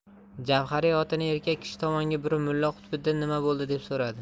javhariy otini erkak kishi tomonga burib mulla qutbiddin nima bo'ldi deb so'radi